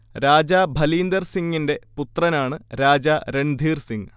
രാജാ ഭലീന്ദർ സിങ്ങിന്റെ പുത്രനാണ് രാജാ രൺധീർ സിങ്